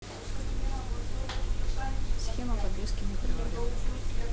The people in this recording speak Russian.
схема подвески на приоре